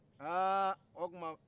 aa o tuma